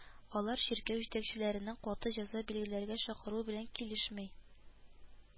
Алар чиркәү җитәкчеләренең каты җәза билгеләргә чакыруы белән килешми